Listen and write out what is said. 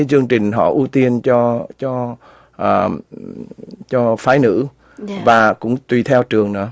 chương trình họ ưu tiên cho cho cho phái nữ và cũng tùy theo trường nữa